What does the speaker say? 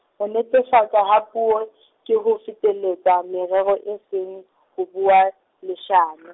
ho natefiswa ha puo , ke ho feteletsa morero e seng, ho bua leshano.